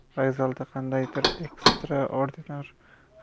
vokzalda qandaydir ekstraordinar